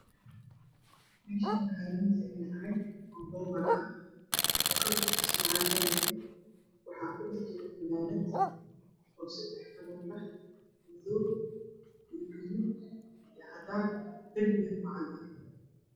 Meshan waxa ino tagan caag bobolo ah oo kalrakis yahay cadan waxa kudhexjiro fanand oo sedax kalra ah madow io gaduud io cadan darbigana waa cadan